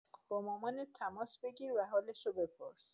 با مامانت تماس بگیر و حالشو بپرس